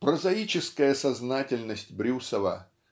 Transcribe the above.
Прозаическая сознательность Брюсова